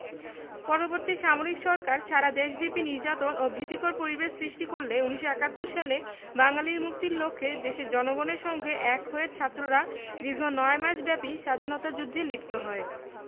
পরবর্তী সামরিক সরকার সারা দেশব্যাপী নির্যাতন ও ভীতিকর পরিবেশ সৃষ্টি করলে ১৯৭১ সালে বাঙালির মুক্তির লক্ষ্যে দেশের জনগণের সঙ্গে এক হয়ে ছাত্ররা দীর্ঘ নয় মাসব্যাপী স্বাধীনতা যুদ্ধে লিপ্ত হয়